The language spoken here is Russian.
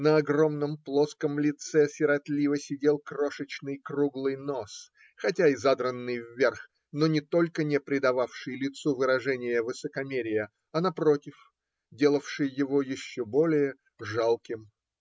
на огромном плоском лице сиротливо сидел крошечный круглый нос, хотя и задранный вверх, но не только не придававший лицу выражения высокомерия, а напротив, делавший его еще более жалким